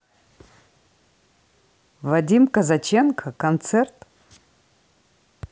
вадим казаченко концерт